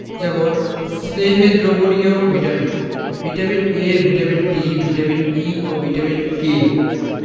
যেমন স্নেহে দ্রবণীয় vitamin vitamin A vitamin D vitamin E ও ভিটামিন কে